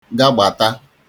gàgbata